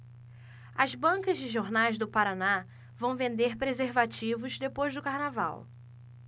as bancas de jornais do paraná vão vender preservativos depois do carnaval